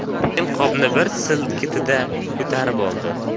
keyin qopni bir silkidida ko'tarib oldi